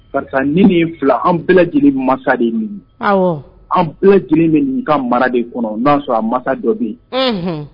Karisa ne ni e fila, an bɛɛ lajɛlen mansa de ye nin ye, an bɛɛ lajɛlen bɛ nin ka mara de kɔnɔa n'a y'a sɔrɔ a mansa dɔ bɛ yen.